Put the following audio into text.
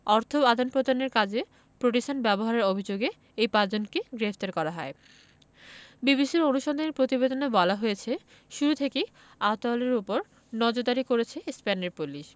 অর্থ আদান প্রদানের কাজে প্রতিষ্ঠান ব্যবহারের অভিযোগে এই পাঁচজনকে গ্রেপ্তার করা হয় বিবিসির অনুসন্ধানী প্রতিবেদনে বলা হয়েছে শুরু থেকেই আতাউলের ওপর নজরদারি করেছে স্পেনের পুলিশ